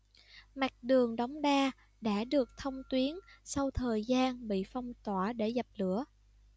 mặt đường đống đa đã được thông tuyến sau thời gian bị phong tỏa để dập lửa